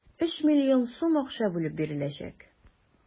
3 млн сум акча бүлеп биреләчәк.